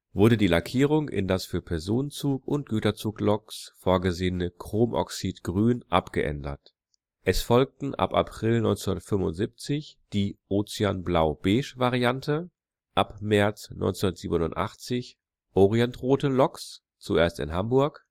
wurde die Lackierung in das für Personenzug - und Güterzugloks vorgesehene chromoxydgrün abgeändert. Es folgten ab April 1975 die ozeanblau-beige Variante, ab März 1987 orientrote Loks (zuerst in Hamburg